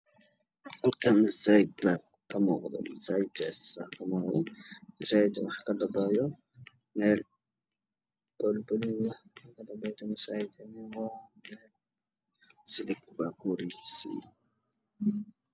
Waxaa ii muuqda masaajid midabkiisu yahay cid ciidda waxa uu leeyahay munaasabad waana masaajid aada u weyn